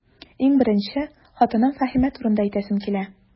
Иң беренче, хатыным Фәһимә турында әйтәсем килә.